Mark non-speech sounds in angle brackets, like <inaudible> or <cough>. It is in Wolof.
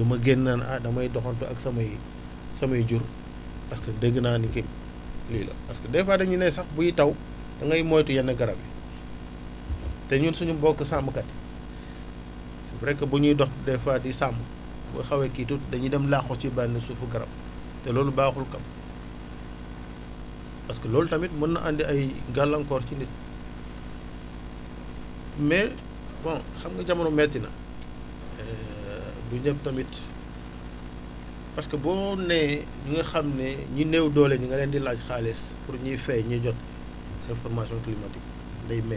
du ma génn naan ah damay doxantu ak samay samay jur parce que dégg naa ni kii lii la parce que des fois dañuy ne sax buy taw da ngay moytu yenn garab yi te ñun suñu mbokk sàmmkat <breath> c' vrai que bu ñuy dox des fois di sàmm bu xawee kii tuuti dañuy dem làqu ci benn suufu garab te loolu baaxul quand même parce que loolu tamit mën na andi ay gàllankoor ci nit mais bon xam nga jamono métti na <hesitation> bu njëkk tamit parce que boo nee ñi nga xam ne ñu néew doole ñi nga leen di laajte xaalis pour ñuy fay ñu jot information climatique day métti